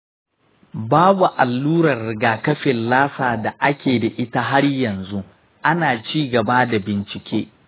babu allurar rigakafin lassa da ake da ita har yanzu. ana ci gaba da bincike.